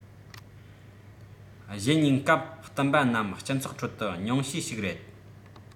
གཞན ཉེན སྐབས བསྟུན པ རྣམས སྤྱི ཚོགས ཁྲོད དུ ཉུང ཤས ཤིག རེད